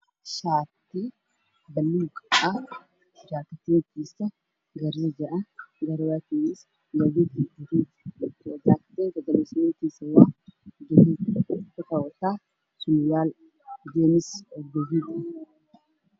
Shaati baluug ah jaakadiisa gariije ah garabaati giisa gaduud ah wuxuu wataa surwaal jaamis gaduud ah.